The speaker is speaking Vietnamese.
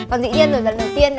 và dĩ nhiên rồi phần đầu tiên